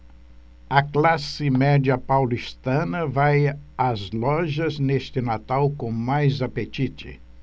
a classe média paulistana vai às lojas neste natal com mais apetite